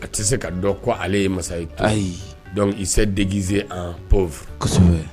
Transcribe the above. A tɛ se ka dɔn ko ale ye masa ayi ikisɛ deze po